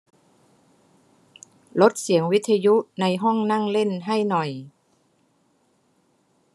ลดเสียงวิทยุในห้องนั่งเล่นให้หน่อย